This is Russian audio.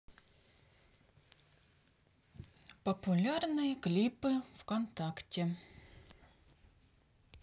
популярные клипы вконтакте